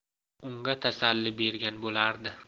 unga tasalli bergan bo'lardi